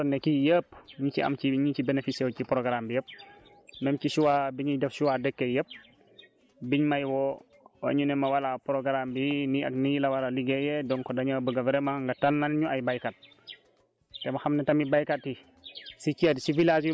donc en tant que man daanaka maay coordonné kii yëpp yu ci am ci ñi ci bénéficié wu ci programme bi yëpp même ci choix bi ñy def choix dëkk yëpp biñ may woo ñu ne ma voilà programme bi nii ak nii la war a léiggéeyee donc dañoo bëgg vraiment nga tànnal ñu ay béykat